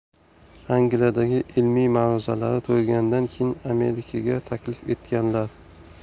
angliyadagi ilmiy ma'ruzalari tugaganidan keyin amerikaga taklif etilganlar